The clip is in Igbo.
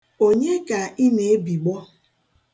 Onye ka ị na-ebigbo?